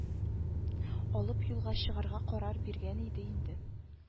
Алып юлга чыгарга карар биргән иде инде